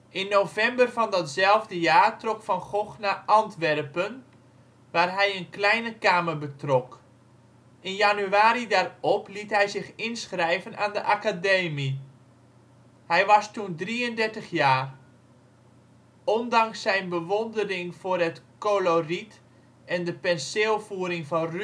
In november van datzelfde jaar trok Van Gogh naar Antwerpen waar hij een kleine kamer betrok. In januari daarop liet hij zich inschrijven aan de Academie. Hij was toen 33 jaar. Ondanks zijn bewondering voor het coloriet en de penseelvoering van